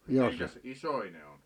mitenkäs isoja ne on